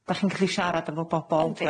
Dach chi'n gallu siarad efo bobol